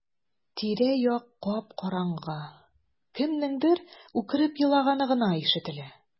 Тирә-як кап-караңгы, кемнеңдер үкереп елаганы гына ишетелә.